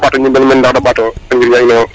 ndaxar ki mbara ɓato njimel men ndax